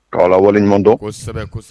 Ka Ala waleɲumandɔn, kosɛbɛ, kosɛbɛ